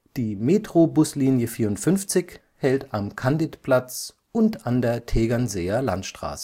Die MetroBuslinie 54 hält am Candidplatz und an der Tegernseer Landstraße